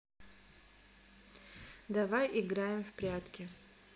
давай играем в прятки